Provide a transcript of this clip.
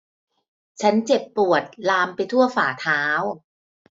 ฉันเจ็บปวดลามไปทั่วฝ่าเท้า